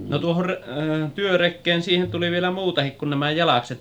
no tuohon työrekeen siihen tuli vielä muutakin kuin nämä jalakset